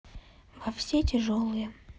во все тяжелые